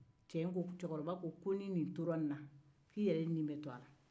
cɛ ko cɛ kɔrɔba ko ni nin tora nin na k'i yɛrɛ nin bɛ to a la